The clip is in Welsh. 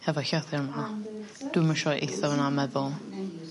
hefo llythyr 'ma. Dwi'm yn siŵr eitha wnna'n meddwl